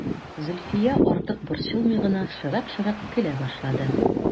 Зөлфия, артык борчылмый гына, шырык-шырык көлә башлады.